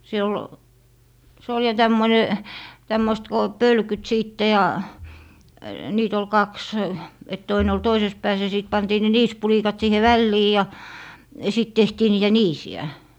se oli se oli ja tämmöinen tämmöistä kun pölkyt sitten ja niitä oli kaksi että toinen oli toisessa päässä ja sitten pantiin ne niisipulikat siihen väliin ja sitten tehtiin niitä niisiä